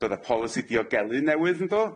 Bydda polisi diogelu newydd yndo?